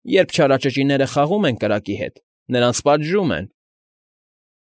Երբ չարաճճիները խաղում են կրակի հետ, նրանց պատժում են։